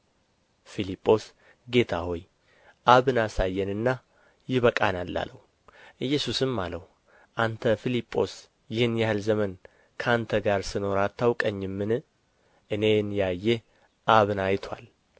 ፊልጶስ ጌታ ሆይ አብን አሳየንና ይበቃናል አለው ኢየሱስም አለው አንተ ፊልጶስ ይህን ያህል ዘመን ከእናንተ ጋር ስኖር አታውቀኝምን እኔን ያየ አብን አይቶአል